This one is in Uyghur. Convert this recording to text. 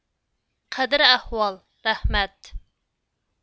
قەدىر ئەھۋال رەھمەت